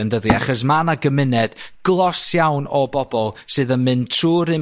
yndydi achos ma' 'na gymuned glos iawn o bobol sydd yn mynd trw'r un